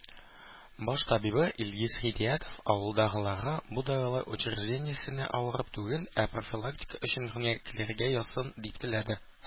Баш табибы Илгиз Хидиятов авылдагыларга бу дәвалау учреждениесенә авырып түгел, ә профилактика өчен генә килергә язсын, дип теләде.